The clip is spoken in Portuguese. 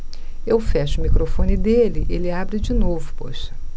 eu fecho o microfone dele ele abre de novo poxa